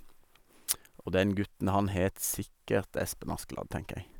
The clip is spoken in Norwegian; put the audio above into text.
Og den gutten, han het sikkert Espen Askeladd, tenker jeg.